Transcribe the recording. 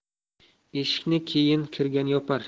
eshikni keyin kirgan yopar